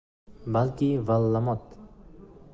balki vallomat